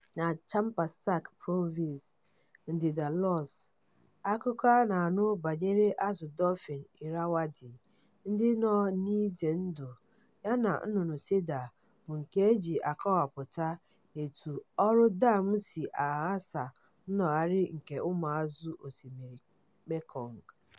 Na Champasak Province, ndịda Laos, akụkọ a na-anụ banyere azụ dọọfịn Irrawaddy ndị nọ n'ize ndụ yana nnụnụ Sida bụ nke e ji akọwapụta etu ọrụ dam si aghasa nnọgharị nke ụmụ azụ Osimiri Mekong.